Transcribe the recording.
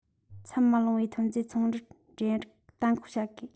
ཚད གཞི མ ལོངས པའི ཐོན རྫས ཚོང རར འདྲེན རིགས གཏན འགོག བྱ དགོས